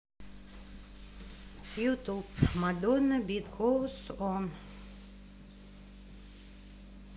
ютуб мадонна бит гоуз он